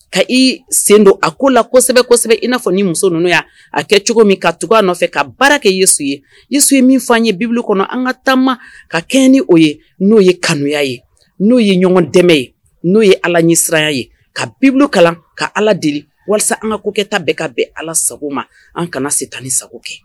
Ka i sen don a ko la kosɛbɛsɛbɛ in n'a fɔ ni muso n yan a kɛ cogo min ka cogoya a nɔfɛ ka baara kɛ ye su ye i su ye min fɔ an ye bilu kɔnɔ an ka taama ka kɛ ni o ye n'o ye kanuya ye n'o ye ɲɔgɔn dɛmɛ ye n'o ye ala ɲɛsiraya ye ka bilu kalan ka ala deli walasa an ka ko kɛta bɛɛ ka bɛn ala sago ma an kana se tan ni sago kɛ